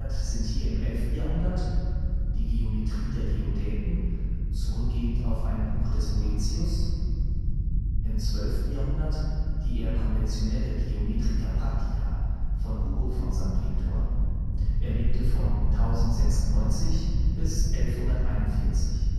sind hier im 11. Jahrhundert die Geometrie der Geodäten zurückgehend auf ein Buch des Boëthius, im 12. Jahrhundert die eher konventionelle Geometria practica von Hugo von St. Victor (1096 – 1141